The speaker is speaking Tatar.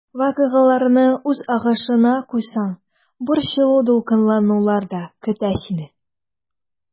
Вакыйгаларны үз агышына куйсаң, борчылу-дулкынланулар да көтә сине.